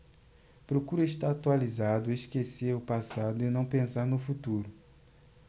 procuro estar atualizado esquecer o passado e não pensar no futuro